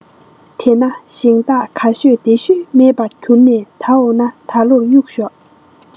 དེས ན ཞིང བདག ག ཤོད འདི ཤོད མེད པར གྱུར ནས དད འོ ན ད ལོ དབྱུགས ཤོག